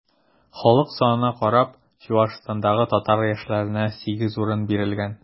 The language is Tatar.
Халык санына карап, Чуашстандагы татар яшьләренә 8 урын бирелгән.